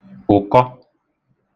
ùkọ